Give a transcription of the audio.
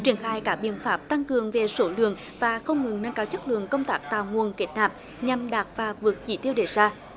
triển khai các biện pháp tăng cường về số lượng và không ngừng nâng cao chất lượng công tác tạo nguồn kết nạp nhằm đạt và vượt chỉ tiêu đề ra